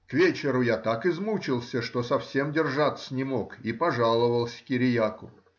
К вечеру я так измучился, что совсем держаться не мог и пожаловался Кириаку.